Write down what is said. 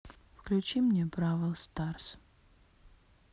включи мне бравл старс